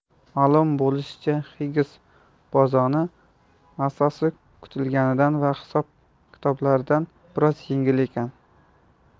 ma'lum bo'lishicha xiggs bozoni massasi kutilganidan va hisob kitoblardagidan biroz yengil ekan